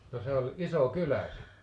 no se oli iso kylä sitten